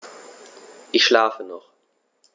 Ich schlafe noch.